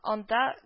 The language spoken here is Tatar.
Анда